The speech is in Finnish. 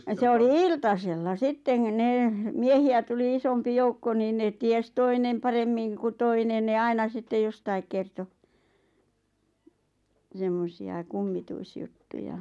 se oli iltasella sitten - ne miehiä tuli isompi joukko niin ne tiesi toinen paremmin kuin toinen ne aina sitten jostakin kertoi semmoisia kummituisjuttuja